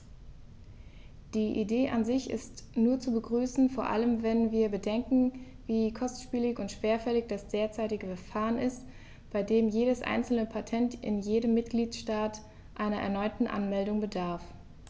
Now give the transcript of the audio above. Die Idee an sich ist nur zu begrüßen, vor allem wenn wir bedenken, wie kostspielig und schwerfällig das derzeitige Verfahren ist, bei dem jedes einzelne Patent in jedem Mitgliedstaat einer erneuten Anmeldung bedarf.